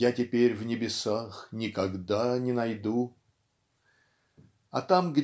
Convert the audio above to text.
Я теперь в небесах никогда не найду. А там